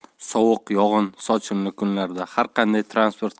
sovuq yog'in sochinli kunlarda har qanday transport